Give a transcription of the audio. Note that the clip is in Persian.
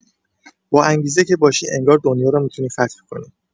باانگیزه که باشی، انگار دنیا رو می‌تونی فتح کنی.